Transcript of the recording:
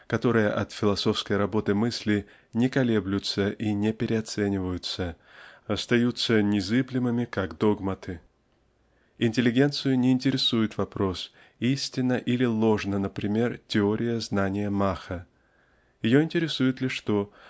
которые от философской работы мысли не колеблются и не переоцениваются остаются незыблемыми как догматы. Интеллигенцию не интересует вопрос истинна или ложна например теория знания Маха ее интересует лишь то